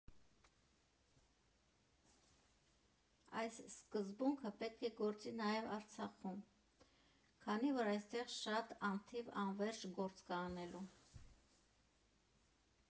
Այս սկզբունքը պետք է գործի նաև Արցախում, քանի որ այստեղ շատ, անթիվ, անվերջ գործ կա անելու։